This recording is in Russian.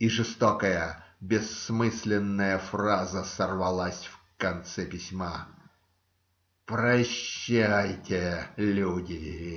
И жестокая, бессмысленная фраза сорвалась в конце письма: "Прощайте, люди!